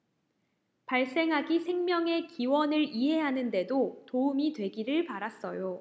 발생학이 생명의 기원을 이해하는 데도 도움이 되기를 바랐어요